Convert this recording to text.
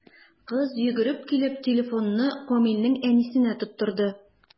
Кыз, йөгереп килеп, телефонны Камилнең әнисенә тоттырды.